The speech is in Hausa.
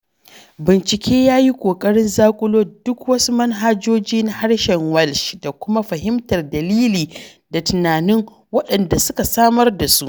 Binciken ya yi ƙoƙarin zaƙulo duk wasu manhajojin na harshen Welsh da kuma fahimtar dalili da tunanin waɗanda suka samar da su.